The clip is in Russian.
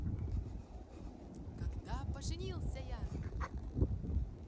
когда поженился я